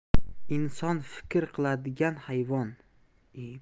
inson fikr qiladigan hayvon